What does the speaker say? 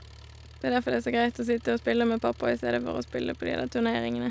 Det er derfor det er så greit å sitte og spille med pappa i stedet for å spille på de der turneringene.